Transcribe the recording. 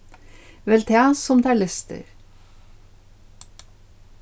vel tað sum tær lystir